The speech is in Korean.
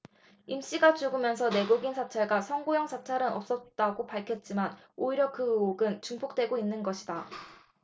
임씨가 죽으면서 내국인 사찰과 선거용 사찰은 없었다고 밝혔지만 오히려 그 의혹은 증폭되고 있는 것이다